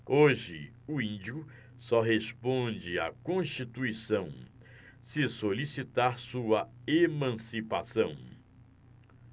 hoje o índio só responde à constituição se solicitar sua emancipação